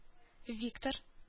Виктор